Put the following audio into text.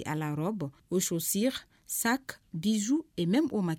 O sosi sa bɛ o ma